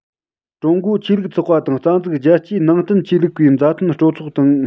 ཀྲུང གོའི ཆོས ལུགས ཚོགས པ དང རྩ འཛུགས རྒྱལ སྤྱིའི ནང བསྟན ཆོས ལུགས པའི མཛའ མཐུན སྤྲོ ཚོགས དང